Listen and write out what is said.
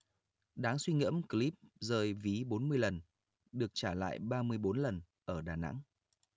đáng suy ngẫm clip rơi ví bốn mươi lần được trả lại ba mươi bốn lần ở đà nẵng